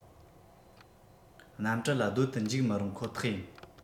གནམ གྲུ ལ སྡོད དུ འཇུག འཇུག མི རུང ཁོ ཐག ཡིན